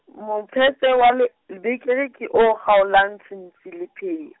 motshetshe wa lebekere ke o kgaolang tshintshi lepheyo.